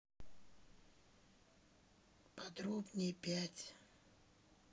подробнее пять